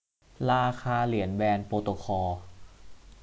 ราคาเหรียญแบรนด์โปรโตคอล